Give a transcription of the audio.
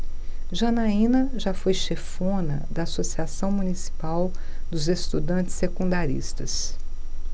janaina foi chefona da ames associação municipal dos estudantes secundaristas